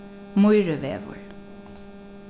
mýrivegur